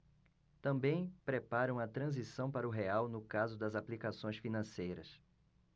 também preparam a transição para o real no caso das aplicações financeiras